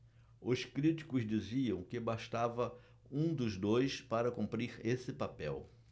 os críticos diziam que bastava um dos dois para cumprir esse papel